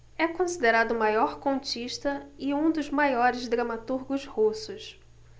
é considerado o maior contista e um dos maiores dramaturgos russos